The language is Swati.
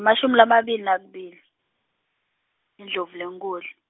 mashumi lamabili nakubili, Indlovulenkhulu.